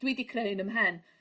dwi 'di creu yn 'ym mhen.